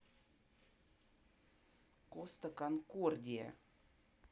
коста конкордия